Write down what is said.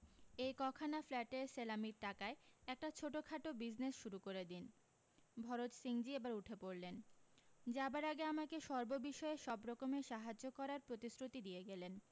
এই কখানা ফ্ল্যাটের সেলামির টাকায় একটা ছোটখাটো বিজনেস শুরু করে দিন ভরত সিংজী এবার উঠে পড়লেন যাবার আগে আমাকে সর্ববিষয়ে সব রকমের সাহায্য করার প্রতিশ্রুতি দিয়ে গেলেন